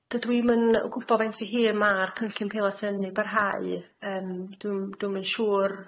Dydw i'm yn gwbo faint o hir ma'r cynllun peilot yn ei barhau. Yym dwi'm dwi'm yn siŵr.